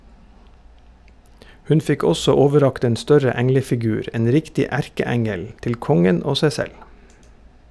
Hun fikk også overrakt en større englefigur, en riktig erkeengel, til kongen og seg selv.